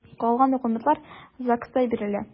Калган документлар ЗАГСта бирелә.